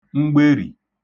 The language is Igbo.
mgberì